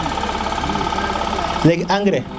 leegi engrais